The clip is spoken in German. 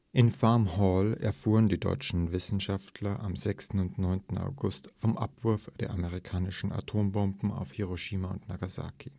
In Farmhall erfuhren die deutschen Wissenschaftler am 6. und 9. August vom Abwurf der amerikanischen Atombomben auf Hiroshima und Nagasaki